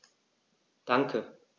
Danke.